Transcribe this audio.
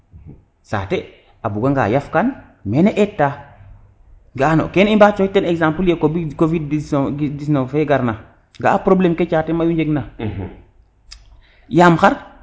saate a buga nga yaf kaan mene eta ga ano kene i mba coxiten exemple ye covid covid 19 fe gar na ga a probleme ke caate mayu njeg na yam xar